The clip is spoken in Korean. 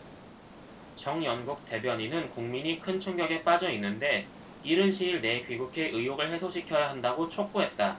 정연국 대변인은 국민이 큰 충격에 빠져 있는데 이른 시일 내에 귀국해 의혹을 해소시켜야 한다고 촉구했다